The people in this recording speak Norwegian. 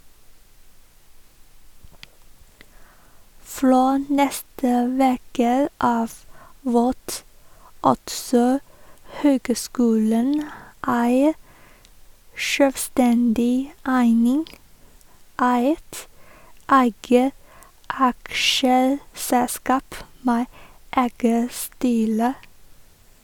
Frå neste veke av vert altså høgskulen ei sjølvstendig eining, eit eige aksjeselskap med eige styre.